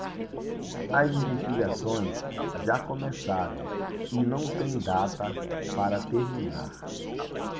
as investigações já começaram e não têm data para terminar